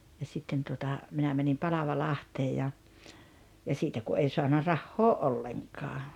ja sitten tuota minä menin Palavalahteen ja ja siitä kun ei saanut rahaa ollenkaan